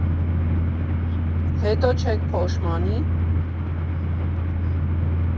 Հետո չե՞ք փոշմանի։